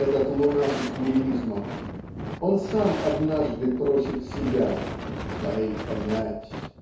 этот лунатик лиризма Он сам однажды просит себя "дай понять".